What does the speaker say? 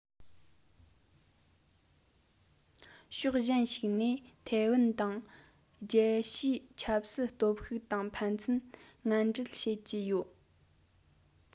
ཕྱོགས གཞན ཞིག ནས ཐའེ ཝན དང རྒྱལ ཕྱིའི ཆབ སྲིད སྟོབས ཤུགས དང ཕན ཚུན ངན འབྲེལ བྱེད ཀྱི ཡོད